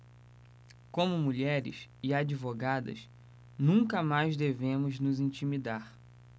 como mulheres e advogadas nunca mais devemos nos intimidar